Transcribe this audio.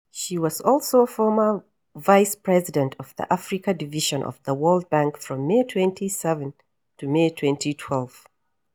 She was also former vice president of the Africa division of the World Bank from May 2007 to May 2012.